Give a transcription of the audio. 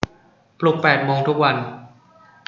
ปลุกแปดโมงทุกวัน